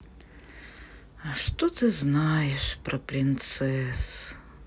а что ты знаешь про принцесс